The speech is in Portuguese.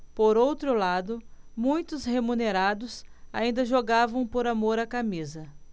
por outro lado muitos remunerados ainda jogavam por amor à camisa